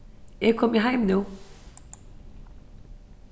eg komi heim nú